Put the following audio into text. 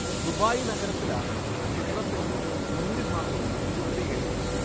ദുബായിലാണ് നഗരത്തിലാണ് ചിത്രത്തിന്റെ ഭൂരിഭാഗവും ചിത്രീകരിച്ചത്